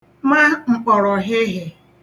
ma m̀kpọ̀rọ̀hịhị̀